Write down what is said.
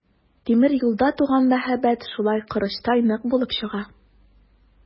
Тимер юлда туган мәхәббәт шулай корычтай нык булып чыга.